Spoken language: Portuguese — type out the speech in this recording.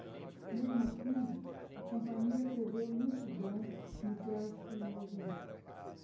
mesmo assim a companhia prevê lentidão no trânsito na região